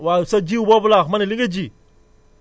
waaw sa ji boobu laa wax ma ne li nga ji